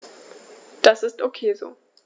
Das ist ok so.